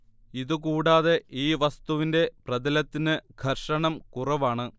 ഇതു കൂടാതെ ഈ വസ്തുവിന്റെ പ്രതലത്തിന് ഘര്ഷണം കുറവാണ്